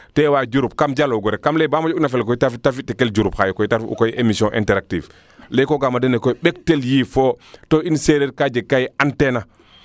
te waa Diouroup kam jaloogu rek kam leye ba moƴ ina fel koy te fi tel Diouroup xaye koy te ref u koy emission inter "active ley kooga ma dene koy ɓektel yiifo to in sereer ka jeg kaa i an teena